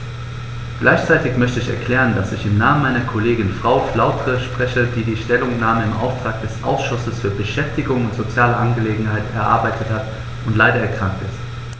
Gleichzeitig möchte ich erklären, dass ich im Namen meiner Kollegin Frau Flautre spreche, die die Stellungnahme im Auftrag des Ausschusses für Beschäftigung und soziale Angelegenheiten erarbeitet hat und leider erkrankt ist.